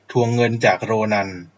ทวงเงินจากโรนัน